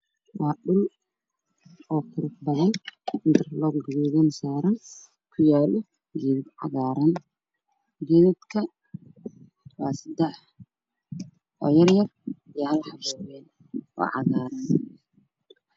Waa dhul geedo gaa gaban leh oo cows cagaaran leh